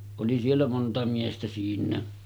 oli siellä monta miestä siinäkin